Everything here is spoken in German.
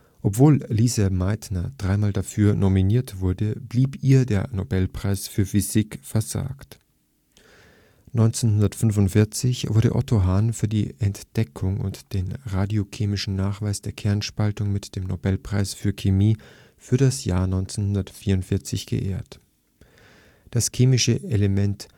Obwohl Lise Meitner drei Mal dafür nominiert wurde, blieb ihr der Nobelpreis für Physik versagt. 1945 wurde Otto Hahn für die Entdeckung und den radiochemischen Nachweis der Kernspaltung mit dem Nobelpreis für Chemie für das Jahr 1944 geehrt. Das chemische Element